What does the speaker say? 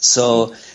So